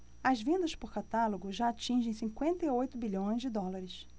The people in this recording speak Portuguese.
as vendas por catálogo já atingem cinquenta e oito bilhões de dólares